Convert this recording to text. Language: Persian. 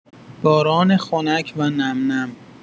باران خنک و نم‌نم